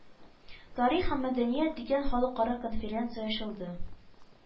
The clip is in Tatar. Тарих һәм мәдәният дигән халыкара конференция ачылды